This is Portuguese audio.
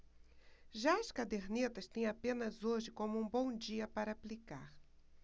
já as cadernetas têm apenas hoje como um bom dia para aplicar